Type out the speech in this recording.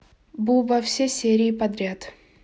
буба все серии подряд